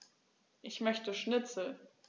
Ich möchte Schnitzel.